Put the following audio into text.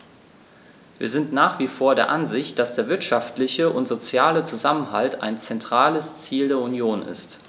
Wir sind nach wie vor der Ansicht, dass der wirtschaftliche und soziale Zusammenhalt ein zentrales Ziel der Union ist.